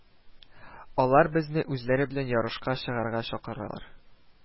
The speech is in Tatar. Алар безне үзләре белән ярышка чыгарга чакыралар